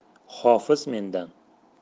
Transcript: hofiz mendan